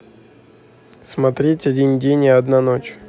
смотреть один день и одна ночь